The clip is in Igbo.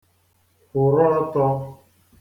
kwụ̀rụ ọtọ̄